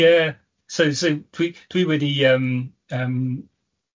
Yeah. So so dwi dwi wedi yym yym